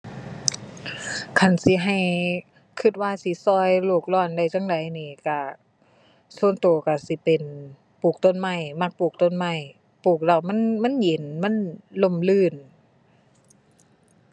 คันสิให้คิดว่าสิคิดโลกร้อนได้จั่งใดนี่คิดส่วนคิดคิดสิเป็นปลูกต้นไม้ มักปลูกต้นไม้ ปลูกแล้วมัน มันเย็น มันร่มรื่น